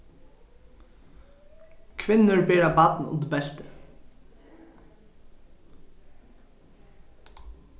kvinnur bera barn undir belti